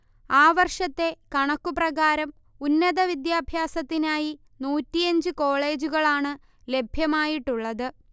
ആ വർഷത്തെ കണക്കു പ്രകാരം ഉന്നതവിദ്യാഭ്യാസത്തിനായി നൂറ്റിയഞ്ച് കോളേജുകളാണ് ലഭ്യമായിട്ടുള്ളത്